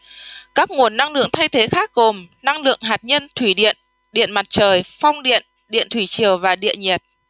các nguồn năng lượng thay thế khác gồm năng lượng hạt nhân thủy điện điện mặt trời phong điện điện thủy triều và địa nhiệt